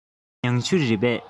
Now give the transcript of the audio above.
ཕ གི མྱང ཆུ རེད པས